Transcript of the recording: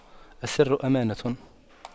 السر أمانة